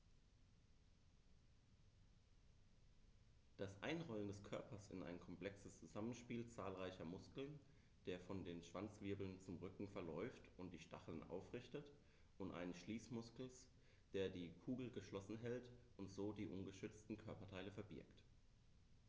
Das Einrollen des Körpers ist ein komplexes Zusammenspiel zahlreicher Muskeln, der von den Schwanzwirbeln zum Rücken verläuft und die Stacheln aufrichtet, und eines Schließmuskels, der die Kugel geschlossen hält und so die ungeschützten Körperteile verbirgt.